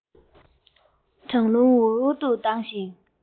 གྲང རླུང འུར འུར ལྡང བཞིན